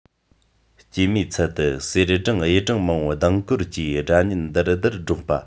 སྐྱེད མོས ཚལ དུ གསེར སྦྲང གཡུ སྦྲང མང པོ ལྡིང འཁོར གྱིས སྒྲ སྙན དིར དིར སྒྲོག པ